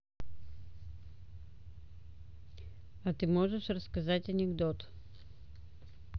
а ты можешь рассказать анекдот